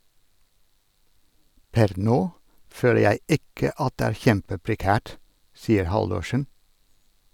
Per nå føler jeg ikke at det er kjempeprekært, sier Haldorsen.